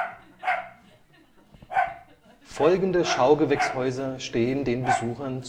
Folgende Schaugewächshäuser stehen den Besuchern